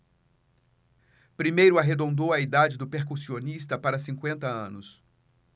primeiro arredondou a idade do percussionista para cinquenta anos